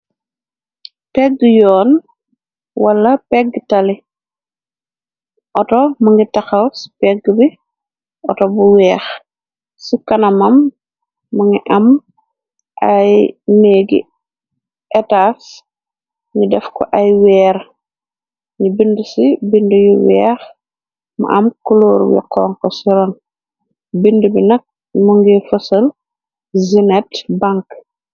Pegge yoon wala pegge tali auto më ngi taxaw ci pegg bi auto bu weex ci kana mam ma ngi am ay neegi etars ñi def ko ay weer ñi bind ci bind yu weex mu am kuloor yu xonko ci ron bind bi nakk mu ngir fosil zunet bank.